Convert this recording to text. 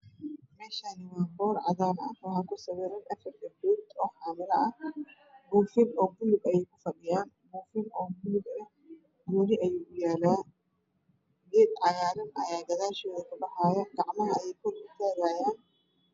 Meeshaani waa boor cadaan ah waxaa ku sawiran afar gabdhood oo xaamilo ah buufin oo buluug ayey ku fadhiyan gooni ayuu u yaalaa geed cagaaran ayaa gadaashooda kabaxaayo gacmaha ayey kor utaagayaan